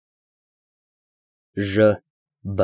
ԺԲ։